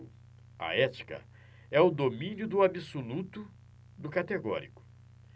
a ética é o domínio do absoluto do categórico